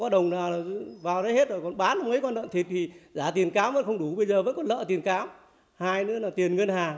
có đồng nào là vào đấy hết rồi còn bán mấy con lợn thịt thì trả tiền cám vẫn không đủ bây giờ vẫn còn nợ tiền cám hai nữa là tiền ngân hàng